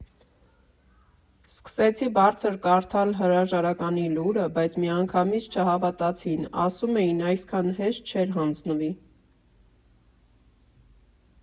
Սկսեցի բարձր կարդալ հրաժարականի լուրը, բայց միանգամից չհավատացին, ասում էին՝ այսքան հեշտ չէր հանձնվի։